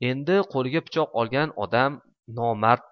endi qo'liga pichoq olgan odam nomard